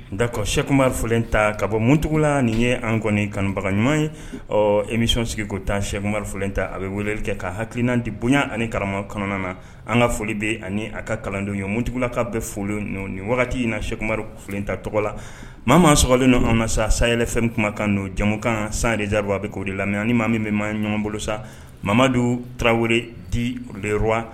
Nka ko sɛkurifilen ta ka bɔ muntigiwla nin ye an kɔni kanubaga ɲuman ye ɔ emion sigi ko tan sɛkurifilen ta a bɛ weleli kɛ ka hakilikilnan di bonya ani karama kɔnɔna na an ka foli bɛ ani a ka kalandenw ye muntigiwla ka bɛ foli nin wagati in na sɛkururifilen ta tɔgɔ la mama maa sɔkalen ninnu an ka sa sayɛlɛfɛn kuma kan don jamumukan san dediwa a bɛ k'o la mɛ ni maa min bɛma ɲɔgɔn bolo sa mamamadu tarawelew di lywa